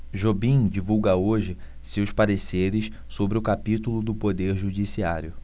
jobim divulga hoje seus pareceres sobre o capítulo do poder judiciário